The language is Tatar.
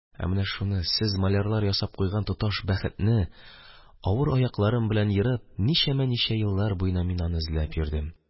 Ә менә шуны – сез малярлар ясап куйган тоташ бәхетне – авыр аякларым белән ерып, ничәмә еллар буена мин аны эзләп йөрдем.